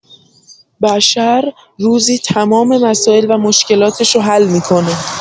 بشر روزی تمام مسائل و مشکلاتشو حل می‌کنه